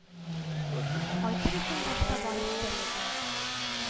Кайтыр өчен башта барып җитәргә кирәк